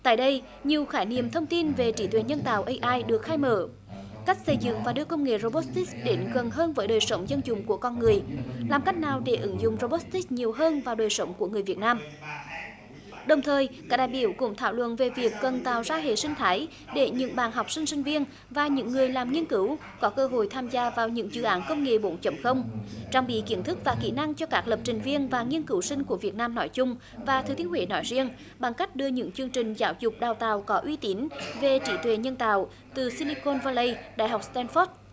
tại đây nhiều khái niệm thông tin về trí tuệ nhân tạo ây ai được khai mở cách xây dựng và đưa công nghệ rô bốt tích đến gần hơn với đời sống dân chúng của con người làm cách nào để ứng dụng rô bốt tích nhiều hơn vào đời sống của người việt nam đồng thời các đại biểu cũng thảo luận về việc cần tạo ra hệ sinh thái để những bạn học sinh sinh viên và những người làm nghiên cứu có cơ hội tham gia vào những dự án công nghệ bốn chấm không trang bị kiến thức và kỹ năng cho các lập trình viên và nghiên cứu sinh của việt nam nói chung và thừa thiên huế nói riêng bằng cách đưa những chương trình giáo dục đào tạo có uy tín về trí tuệ nhân tạo từ si li côn va lây đại học sờ ten phót